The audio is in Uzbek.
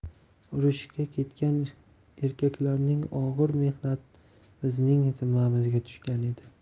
urushga ketgan erkaklarning og'ir mehnati bizning zimmamizga tushgan edi